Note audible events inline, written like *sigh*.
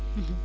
*hesitation* *hesitation*